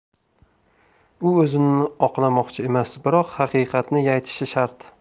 u o'zini oqlamoqchi emas biroq haqiqatni aytishi shart